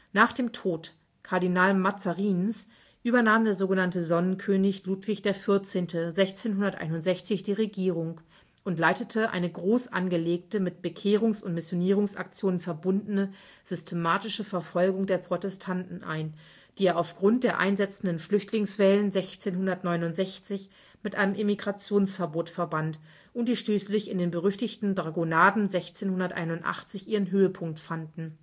Nach dem Tod Kardinal Mazarins übernahm der „ Sonnenkönig “Ludwig XIV. 1661 die Regierung und leitete eine groß angelegte mit Bekehrungs - und Missionierungsaktionen verbundene systematische Verfolgung der Protestanten ein, die er aufgrund der einsetzenden Flüchtlingswellen 1669 mit einem Emigrationsverbot verband und die schließlich in den berüchtigten Dragonaden 1681 ihren Höhepunkt fanden